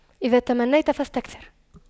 إذا تمنيت فاستكثر